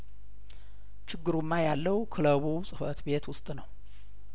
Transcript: ችግሩማ ያለው ክለቡ ጽፈት ቤት ውስጥ ነው